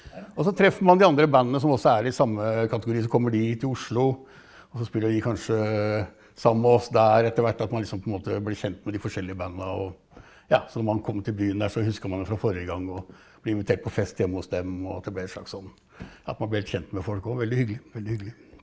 også treffer man de andre bandene som også er i samme kategori så kommer de til Oslo, også spiller de kanskje sammen med oss der etter hvert, at man liksom på en måte blir kjent med de forskjellige banda og ja, så når man kommer til byen der så husker man det fra forrige gang og blir invitert på fest hjemme hos dem, og at det blir et slags sånn at man blir helt kjent med folk òg veldig hyggelig, veldig hyggelig.